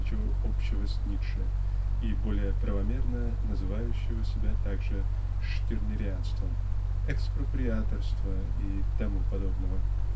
ничего общего с Ницше и--более правомерно--называющего себя также "штирнерианством") "экспроприаторства" и т. п.